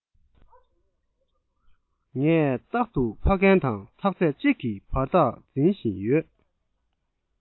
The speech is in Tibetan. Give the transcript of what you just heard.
ངས རྟག ཏུ ཕ རྒན དང ཐག ཚད ཅིག གི བར ཐག འཛིན བཞིན ཡོད